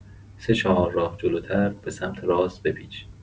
سه چهارراه جلوتر به‌سمت راست بپیچ.